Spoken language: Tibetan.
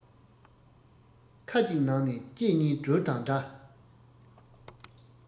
ཁ གཅིག ནང ནས ལྕེ གཉིས སྦྲུལ དང འདྲ